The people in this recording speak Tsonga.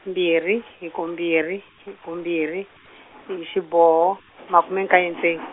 mbirhi hiko mbirhi hiko mbirhi, hi xiboho, makume nkaye ntse.